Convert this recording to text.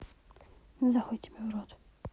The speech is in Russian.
захуй тебе в рот